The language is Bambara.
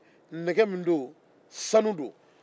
sanu don